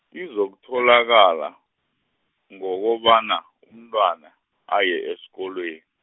izokutholakala, ngokobana, umntwana, aye esikolwe-.